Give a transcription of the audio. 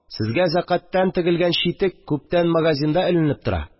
Сезгә зәкяттән тегелгән читек күптән магазинда эленеп тора